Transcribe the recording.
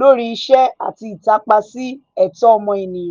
lórí iṣẹ́, àti ìtàpá sí ẹ̀tọ́ ọmọnìyàn.